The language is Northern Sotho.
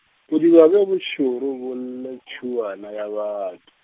bodiba bjo bošoro, bo lle tšhuana ya batho.